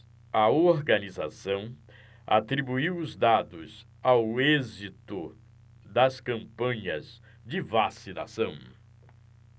a organização atribuiu os dados ao êxito das campanhas de vacinação